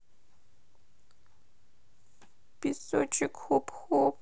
песочек хоп хоп